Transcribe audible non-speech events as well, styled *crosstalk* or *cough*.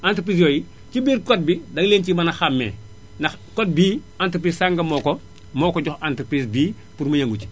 entreprises yooyu ci biir code bi danga leen ciy mën a xàmmee ndax code bii entreprise sangam *noise* moo ko moo ko jox entreprise bii pour mu yëngu ci